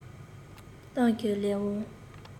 ཏང གི ལས དབང